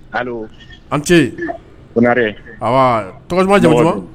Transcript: Allo ; Ani ce ; Konare! An baa; Tɔgɔ duman, jamu duman ;Somɔgɔ d'un?